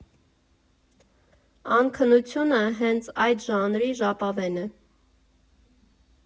«Անքնությունը» հենց այդ ժանրի ժապավեն է.